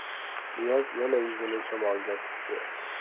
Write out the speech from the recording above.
niyoz yana yuzini shamolga tutdi